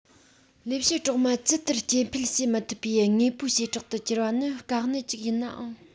ལས བྱེད གྲོག མ ཇི ལྟར སྐྱེ འཕེལ བྱེད མི ཐུབ པའི དངོས པོའི བྱེ བྲག དུ གྱུར པ ནི དཀའ གནད ཅིག ཡིན ནའང